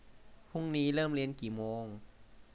พรุ่งนี้เริ่มเรียนกี่โมง